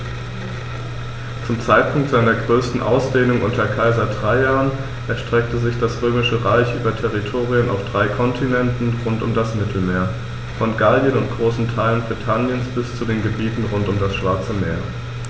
Zum Zeitpunkt seiner größten Ausdehnung unter Kaiser Trajan erstreckte sich das Römische Reich über Territorien auf drei Kontinenten rund um das Mittelmeer: Von Gallien und großen Teilen Britanniens bis zu den Gebieten rund um das Schwarze Meer.